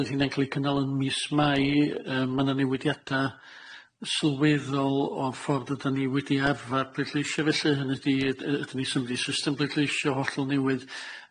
Fydd hynna'n ca'l ei cynnal yn mis Mai yy ma' na newidiada' sylweddol o'r ffordd ydan ni wedi arfar pleidleisio felly, hynny ydi yd- yd- ydyn ni symud i system pleidleisio hollol newydd,